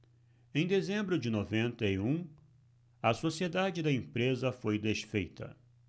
em dezembro de noventa e um a sociedade da empresa foi desfeita